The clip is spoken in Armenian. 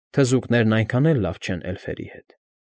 Թզուկներն այնքան էլ լավ չեն էլֆերի հետ։